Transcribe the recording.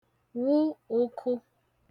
wụ ùkhu